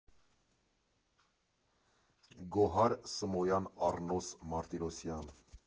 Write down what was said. Գոհար Սմոյան Առնոս Մարտիրոսյան։